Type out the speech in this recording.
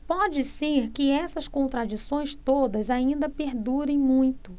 pode ser que estas contradições todas ainda perdurem muito